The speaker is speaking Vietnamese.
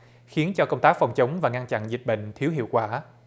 khiến cho công tác phòng chống và ngăn chặn dịch bệnh thiếu hiệu quả